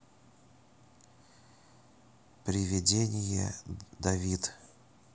приведение давид